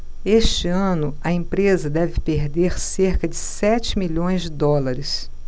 este ano a empresa deve perder cerca de sete milhões de dólares